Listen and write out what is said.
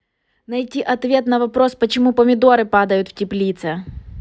найти ответ на вопрос почему помидоры падают в теплицы